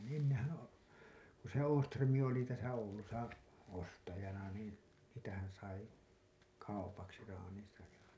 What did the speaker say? niin ennenhän - kun se Åström oli tässä Oulussa ostajana niin sitähän sai kaupaksi traaninsa ja